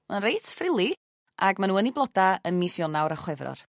ma'n reit frilly ag ma' n'w yn 'u bloda ym mis Ionawr a Chwefror.